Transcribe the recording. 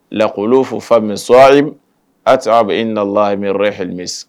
Lakɔ fo fa a bɛ i na la ye halimi